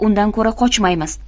undan ko'ra qochmaymiz